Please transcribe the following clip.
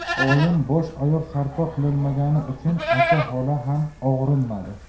oyim bosh oyoq sarpo qilolmagani uchun acha xola ham og'rinmadi